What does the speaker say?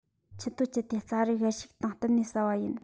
མཆུ ཏོ སྤྱད དེ རྩྭ རིགས དབྲལ བཤིག དང གཏུབ ནས ཟ བ ཡིན